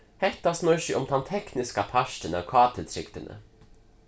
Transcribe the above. hetta snýr seg um tann tekniska partin av kt-trygdini